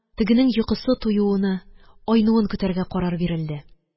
Тегенең йокысы туюны, айнуын көтәргә карар бирелде